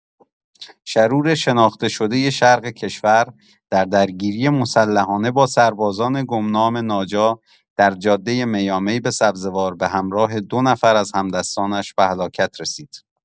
شرور شناخته‌شده شرق کشور، در درگیری مسلحانه با سربازان گمنام ناجا در جاده میامی به سبزوار به‌همراه ۲ نفر از هم‌دستانش به هلاکت رسید.